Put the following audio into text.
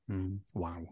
Mm, waw.